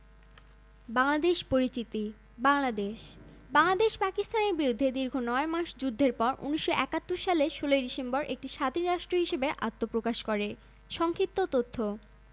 বাংলাদেশ পরিচিতি বাংলাদেশ বাংলাদেশ পাকিস্তানের বিরুদ্ধে দীর্ঘ নয় মাস যুদ্ধের পর ১৯৭১ সালের ১৬ ডিসেম্বর একটি স্বাধীন রাষ্ট্র হিসেবে আত্মপ্রকাশ করে সংক্ষিপ্ত তথ্য